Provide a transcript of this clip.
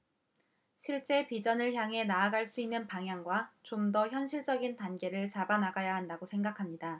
실제 비전을 향해 나아갈 수 있는 방향과 좀 더 현실적인 단계를 잡아 나가야 한다고 생각합니다